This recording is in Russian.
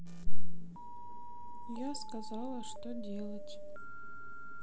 я сказала что делать